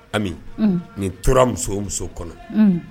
Ami, unhun, nin tora muso muso kɔnɔ, unhun